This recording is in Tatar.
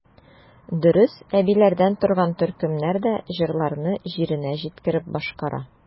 Дөрес, әбиләрдән торган төркемнәр дә җырларны җиренә җиткереп башкара.